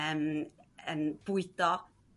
yym yn bwydo